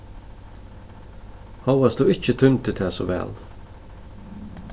hóast tú ikki tímdi tað so væl